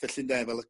felly ynde fel y